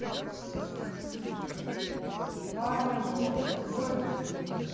ани лорак твой любимый